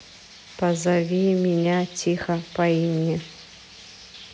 позови меня тихо по имени